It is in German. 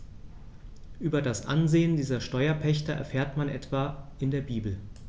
Über das Ansehen dieser Steuerpächter erfährt man etwa in der Bibel.